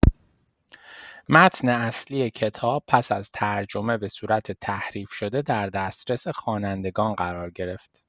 متن اصلی کتاب پس از ترجمه به صورت تحریف‌شده در دسترس خوانندگان قرار گرفت.